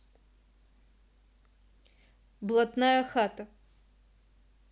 блатная хата